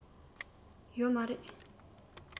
ཡོད མ རེད